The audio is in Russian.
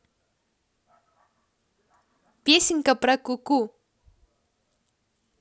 песенка про ку ку